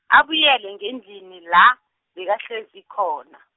abuyele ngendlini la, bekahlezi khona.